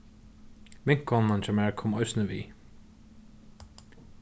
vinkonan hjá mær kom eisini við